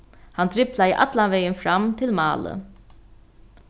hann dribblaði allan vegin fram til málið